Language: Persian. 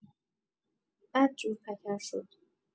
بدجور پکر شد.